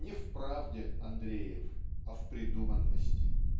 Не в правде Андреев, а в придуманности.